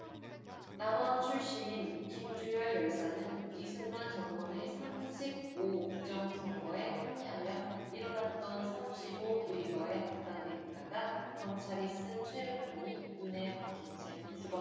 남원 출신인 김주열 열사는 이승만 정권의 삼 십 오 부정선거에 항의하며 일어났던 삼 십 오 의거에 가담했다가 경찰이 쏜 최루탄이 눈에 박힌 채 죽었다